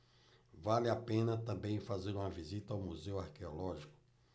vale a pena também fazer uma visita ao museu arqueológico